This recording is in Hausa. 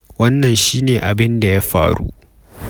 Wannan shi ne abin da ya faru.